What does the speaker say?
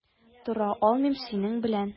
Тора алмыйм синең белән.